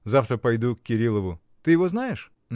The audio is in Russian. Завтра пойду к Кирилову: ты его знаешь?